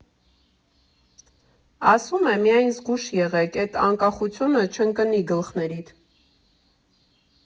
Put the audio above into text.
Ասում է՝ միայն զգույշ եղեք, էդ անկախությունը չընկնի գլխներիդ։